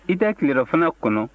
i tɛ tilerɔfana kɔnɔ